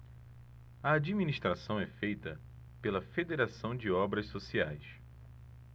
a administração é feita pela fos federação de obras sociais